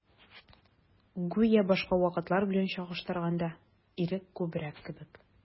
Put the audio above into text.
Гүя башка вакытлар белән чагыштырганда, ирек күбрәк кебек.